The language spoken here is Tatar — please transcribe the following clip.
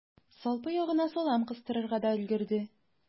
Салпы ягына салам кыстырырга да өлгерде.